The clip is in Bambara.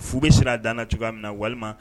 Fuu bɛ siran a danna cogoya min na walima